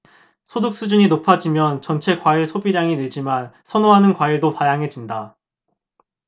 소득 수준이 높아지면 전체 과일 소비량이 늘지만 선호하는 과일도 다양해진다